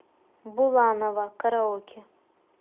буланова караоке